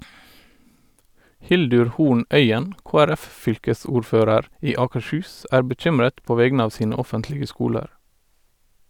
Hildur Horn Øien, KrF-fylkesordfører i Akershus, er bekymret på vegne av sine offentlige skoler.